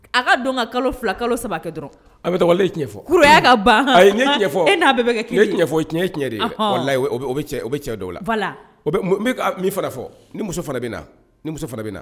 A ka dɔn ka kalo fila kalo saba kɛ dɔrɔn a bɛlen cɛn fɔ ka ayi fɔ n'a bɛ kɛ ɲɛfɔ tiɲɛ de bɛ la fara fɔ ni muso fana bɛ fana bɛ na